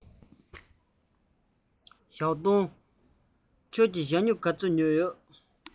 ཞའོ ཏུང རང གིས ཞྭ སྨྱུག ག ཚོད ཉོས ཡོད པས